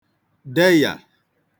deyà